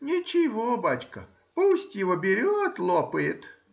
ничего, бачка,— пусть его берет — лопает.